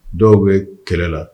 Dɔw bɛ kɛlɛ la